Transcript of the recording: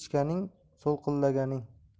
sut ichganing so'lqillaganing